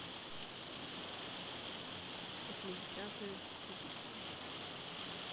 восьмидесятые тупица